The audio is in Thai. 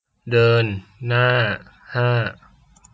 เดินหน้าห้า